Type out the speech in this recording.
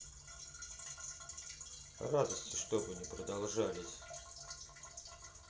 радости чтобы не продолжались